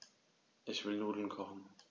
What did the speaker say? Ich will Nudeln kochen.